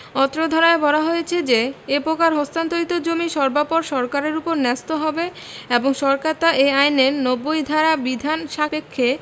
অত্র ধারায় বলা হয়েছে যে এ প্রকার হস্তান্তরিত জমি সর্বাপর সরকারের ওপর ন্যস্ত হবে এবং সরকার তা এ আইনের ৯০ ধারারবিধান সাপেক্ষে